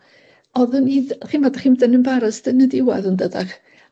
Odden ni d- chimod 'dych chi'n mynd yn embarrased yn y diwadd yndydach?